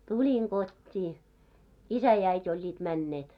tulin kotiin isä ja äiti olivat menneet